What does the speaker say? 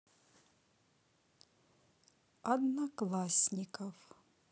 одноклассников